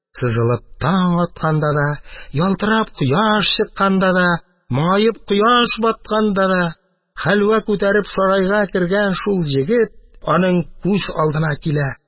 Сызылып таң атканда да, ялтырап кояш чыкканда да, моңаеп кояш батканда да, хәлвә күтәреп сарайга кергән шул егет аның күз алдына килә.